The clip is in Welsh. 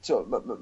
t'o' ma' ma'